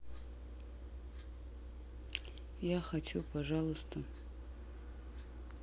я хочу пожалуйста